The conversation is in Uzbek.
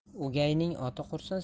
o'gayning oti qursin